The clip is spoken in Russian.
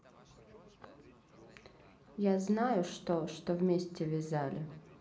я знаю что что вместе вязали